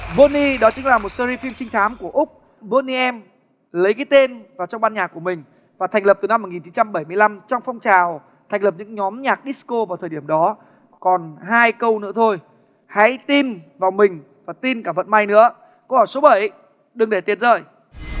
vô li đó chính là một se ri phim trinh thám của úc vô li em lấy cái tên vào trong ban nhạc của mình và thành lập từ năm một nghìn chín trăm bảy mươi lăm trong phong trào thành lập những nhóm nhạc đít cô vào thời điểm đó còn hai câu nữa thôi hãy tin vào mình và tin cả vận may nữa câu hỏi số bảy đừng để tiền rơi